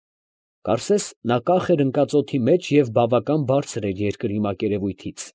Կարծես նա կախ էր ընկած օդի մեջ և բավական բարձր էր երկրի մակերևույթից։